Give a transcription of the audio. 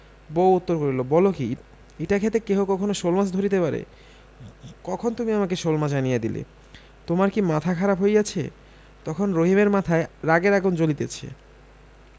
বউ উত্তর করিল বল কি ইটা ক্ষেতে কেহ কখনো শোলমাছ ধরিতে পারে কখন তুমি আমাকে শোলমাছ আনিয়া দিলে তোমার কি মাথা খারাপ হইয়াছে তখন রহিমের মাথায় রাগের আগুন জ্বলিতেছে